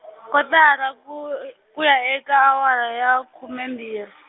kotara ku ku ya eka awara ya khume mbirhi.